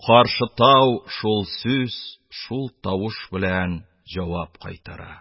Каршы тау шул сүз, шул тавыш белән җавап кайтара.